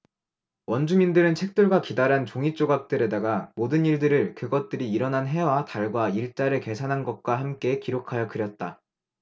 원주민들은 책들과 기다란 종잇조각들에다가 모든 일들을 그것들이 일어난 해와 달과 일자를 계산한 것과 함께 기록하여 그렸다